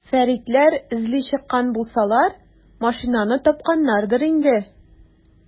Фәритләр эзли чыккан булсалар, машинаны тапканнардыр инде.